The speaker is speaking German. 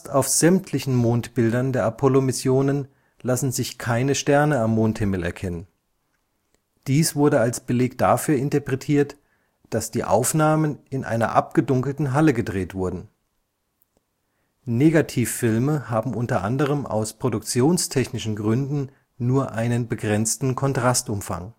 auf sämtlichen Mondbildern der Apollo-Missionen lassen sich keine Sterne am Mondhimmel erkennen. Dies wurde als Beleg dafür interpretiert, dass die Aufnahmen in einer abgedunkelten Halle gedreht wurden. Negativfilme haben unter anderem aus produktionstechnischen Gründen nur einen begrenzten Kontrastumfang